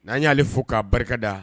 N'an y'ale fo k'a barikada